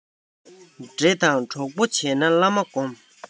འདྲེ དང གྲོགས པོ བྱེད ན བླ མ སྒོམས